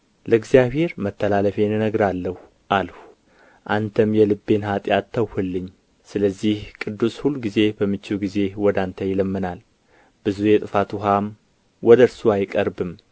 ለእግዚአብሔር መተላለፌን እነግራለሁ አልሁ አንተም የልቤን ኃጢአት ተውህልኝ ስለዚህ ቅዱስ ሁሉ በምቹ ጊዜ ወደ አንተ ይለምናል ብዙ የጥፋት ውኃም ወደ እርሱ አይቀርብም